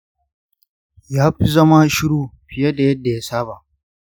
ya fi zama shiru fiye da yadda ya saba.